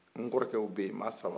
n kɔrɔkɛw bɛ ye maa saba